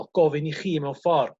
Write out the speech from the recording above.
wel gofyn i chi mewn ffor